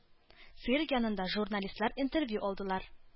Цирк янында журналистлар интервью алдылар.